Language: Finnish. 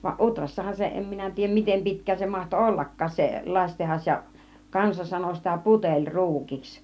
vaan Utrassahan se en minä tiedä miten pitkään se mahtoi ollakaan se lasitehdas ja kansa sanoi sitä - puteliruukiksi